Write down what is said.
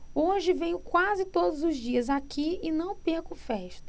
hoje venho quase todos os dias aqui e não perco festas